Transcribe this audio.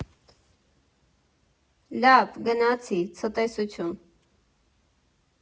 Լավ, գնացի, ցտեսություն։